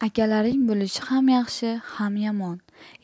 akalaring bo'lishi ham yaxshi ham yomon